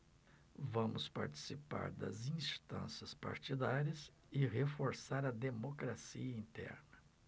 vamos participar das instâncias partidárias e reforçar a democracia interna